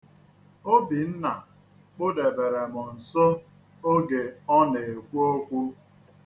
Obinna kpudebere m nso oge o na-ekwu okwu.